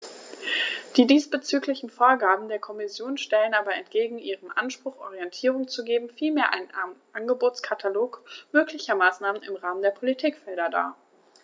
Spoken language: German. Die diesbezüglichen Vorgaben der Kommission stellen aber entgegen ihrem Anspruch, Orientierung zu geben, vielmehr einen Angebotskatalog möglicher Maßnahmen im Rahmen der Politikfelder dar.